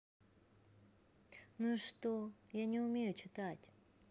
ну и что я не умею читать